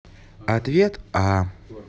ответ а